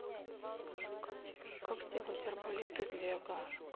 как сделать арбалет из лего